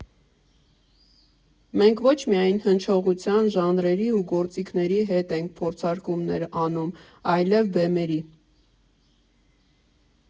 Մենք ոչ միայն հնչողության, ժանրերի ու գործիքների հետ ենք փորձարկումներ անում, այլև բեմերի։